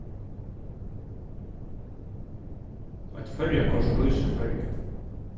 eitt føroyakort lýsir føroyar